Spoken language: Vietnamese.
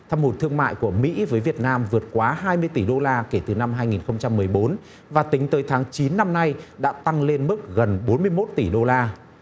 thâm hụt thương mại của mỹ với việt nam vượt quá hai mươi tỷ đô la kể từ năm hai nghìn không trăm mười bốn và tính tới tháng chín năm nay đã tăng lên mức gần bốn mươi mốt tỷ đô la